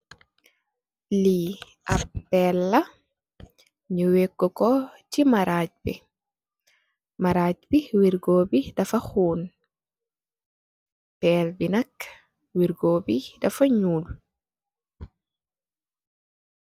Li ap peel la , ñi weka ko ci maraj bi . Maraj bi nak wirgo bi dafa xuun, peel bi nak wirgo bi dafa ñuul.